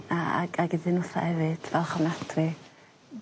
A ag ag i nwtha hefyd falch ofnadwy.